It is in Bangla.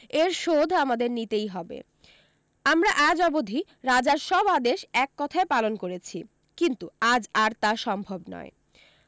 এর শোধ আমাদের নিতেই হবে আমরা আজ অবধি রাজার সব আদেশ এক কথায় পালন করেছি কিন্তু আজ আর তা সম্ভব নয়